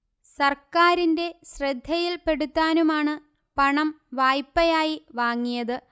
സർക്കാരിന്റെ ശ്രദ്ധയില്പ്പെടുത്താനുമാണ് പണം വായ്പയായി വാങ്ങിയത്